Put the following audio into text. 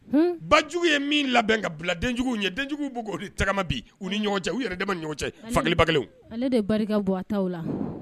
Bajugu ye min labɛn ka bila denjugu ye denjugu b u tagama u ni cɛ u yɛrɛ ma ɲɔgɔn cɛ ba ale de barika buta la